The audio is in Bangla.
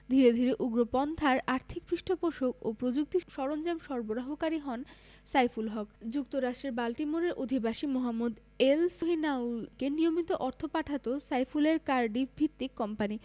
ধীরে ধীরে উগ্রপন্থার আর্থিক পৃষ্ঠপোষক ও প্রযুক্তি সরঞ্জাম সরবরাহকারী হন সাইফুল হক যুক্তরাষ্ট্রের বাল্টিমোরের অধিবাসী মোহাম্মদ এলসহিনাউয়িকে নিয়মিত অর্থ পাঠাত সাইফুলের কার্ডিফভিত্তিক কোম্পানি